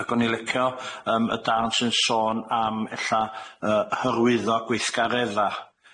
Ac o'n i licio yym y darn sy'n sôn am ella yy hyrwyddo gweithgaredda.